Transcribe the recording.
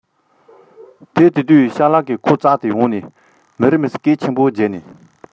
དེ དུས སྤྱང ལགས ཀྱིས ཁོའི མདུན དུ ཡོང ནས ཧོབ སྟེ ཁ ལ གློ བུར